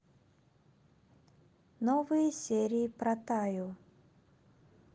новые серии про таю